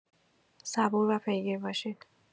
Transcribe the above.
صبور و پیگیر باشید.